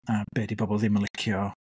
A be 'di pobl ddim yn licio.